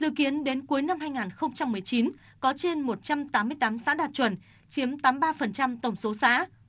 dự kiến đến cuối năm hai ngàn không trăm mười chín có trên một trăm tám mươi tám xã đạt chuẩn chiếm tám ba phần trăm tổng số xã